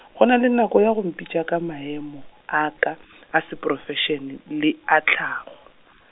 go na le nako ya go mpitša ka maemo, a ka , a seprofešene, le a tlhago.